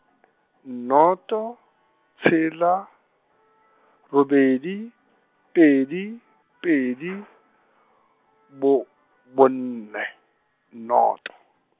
noto, tshela, robedi, pedi, pedi, bo, bonne, noto.